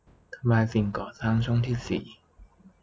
ทำลายสิ่งก่อสร้างช่องที่สี่